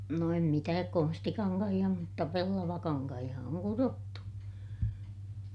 no en mitään konstikankaita mutta pellavakankaita on kudottu